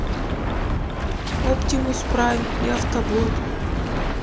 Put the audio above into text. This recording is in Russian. оптимус прайм и автобот